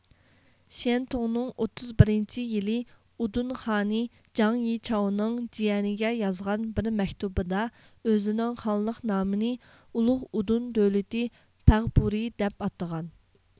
شيەنتۇڭنىڭ ئوتتۇز بىرىنچى يىلى ئۇدۇن خانى جاڭ يىچاۋنىڭ جىيەنىگە يازغان بىر مەكتۇبىدا ئۆزىنىڭ خانلىق نامىنى ئۇلۇغ ئۇدۇن دۆلىتى پەغپۇرى دەپ ئاتىغان